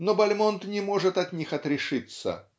Но Бальмонт не может от них отрешиться